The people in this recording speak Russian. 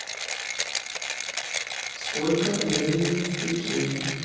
сколько времени в пекине